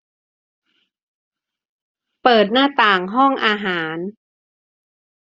เปิดหน้าต่างห้องอาหาร